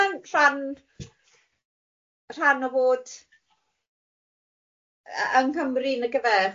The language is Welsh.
ma'n rhan, ma' fe'n rhan rhan o fod yy yng Nghymru nagyfe?